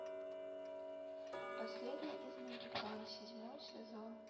последний из могикан седьмой сезон